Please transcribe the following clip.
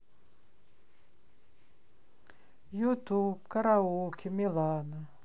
ютуб караоке милана